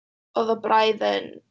Oedd y braidd yn...